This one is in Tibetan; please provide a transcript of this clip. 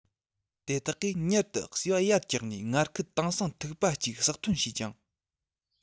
དེ དག གིས མྱུར དུ གསུས པ ཡར བཀྱག ནས མངར ཁུ དྭངས སིངས ཐིགས པ གཅིག ཟགས ཐོན བྱེད ཅིང